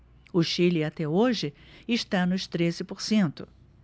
o chile até hoje está nos treze por cento